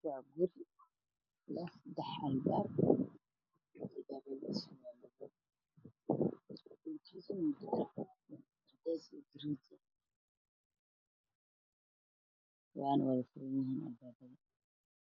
Waa guri leh saddex albaab ka yihiin caddaan madow dhulku waa muteed qaxoow ah